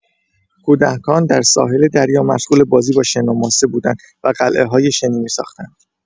کودکان در ساحل دریا مشغول بازی با شن و ماسه بودند و قلعه‌های شنی می‌ساختند.